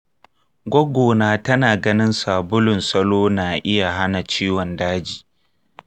goggo na tana ganin sabulun salo na iya hana ciwon daji.